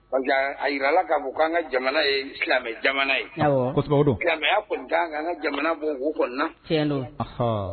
A jirala k' bɔ k' an ka jamana ye silamɛ jamana ye silamɛyatan an ka jamana bon k'u kɔnɔna